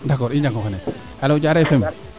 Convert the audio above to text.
d' accord i njango xene alo Dairekh Fm